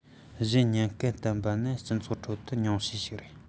གཞན ཉེན སྐབས བསྟུན པ རྣམས སྤྱི ཚོགས ཁྲོད དུ ཉུང ཤས ཤིག རེད